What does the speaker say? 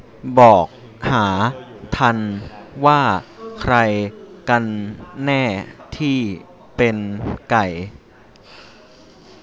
บอกหาทันว่าใครกันแน่ที่เป็นไก่